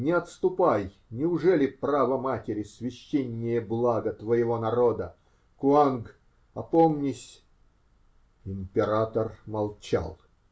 Не отступай -- неужели право матери священнее блага твоего народа?! Куанг, опомнись! Император молчал.